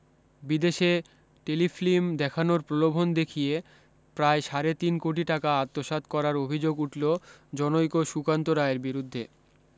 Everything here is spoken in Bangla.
বিদেশে টেলিফিল্ম দেখানোর প্রলোভন দেখিয়ে প্রায় সাড়ে তিন কোটি টাকা আত্মসাত করার অভি্যোগ উঠল জনৈক সুকান্ত রায়ের বিরুদ্ধে